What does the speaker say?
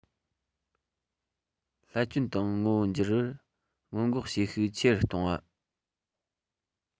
བསླད སྐྱོན དང ངོ བོ འགྱུར བར སྔོན འགོག བྱེད ཤུགས ཆེ རུ གཏོང བ